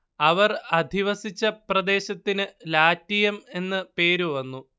അവർ അധിവസിച്ച പ്രദേശത്തിന് ലാറ്റിയം എന്നു പേര് വന്നു